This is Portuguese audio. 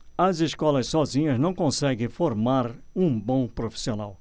as escolas sozinhas não conseguem formar um bom profissional